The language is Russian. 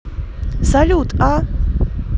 салют а